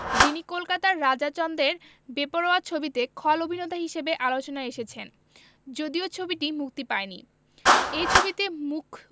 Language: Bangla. যিনি কলকাতার রাজা চন্দের বেপরোয়া ছবিতে খল অভিননেতা হিসেবে আলোচনায় এসেছেন যদিও ছবিটি মুক্তি পায়নি এই ছবিতে মূখ